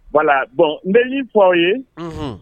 Bala bɔn n bɛ y'i fɔ aw ye